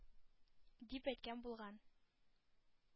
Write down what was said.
Дип әйткән булган.